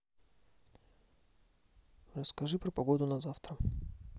расскажи про погоду на завтра